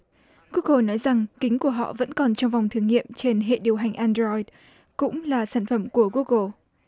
gu gồ nói rằng kính của họ vẫn còn trong phòng thí nghiệm trên hệ điều hành ăn đờ roi cũng là sản phẩm của gu gồ